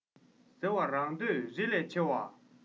ཟེར བ རང འདོད རི ལས ཆེ བ